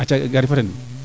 aca gari fo den